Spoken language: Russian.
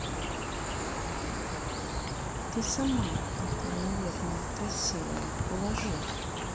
ты сама то ты наверное красивая положи